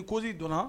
Ni cause dɔnna